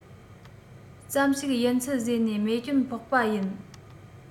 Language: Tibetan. ཙམ ཞིག ཡིན ཚུལ བཟོས ནས རྨས སྐྱོན ཕོག པ ཡིན